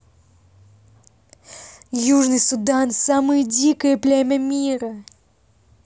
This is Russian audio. южный судан самое дикое племя мира